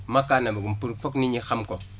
makkaanam pour foog nit ñi xam ko